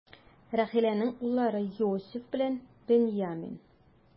Рахиләнең уллары: Йосыф белән Беньямин.